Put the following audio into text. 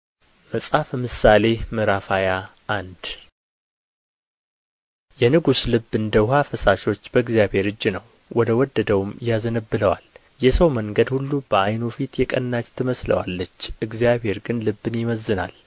መጽሐፈ ምሳሌ ምዕራፍ ሃያ አንድ የንጉሥ ልብ እንደ ውኃ ፈሳሾች በእግዚአብሔር እጅ ነው ወደ ወደደውም ያዘነብለዋል የሰው መንገድ ሁሉ በዓይኑ ፊት የቀናች ትመስለዋለች እግዚአብሔር ግን ልብን ይመዝናል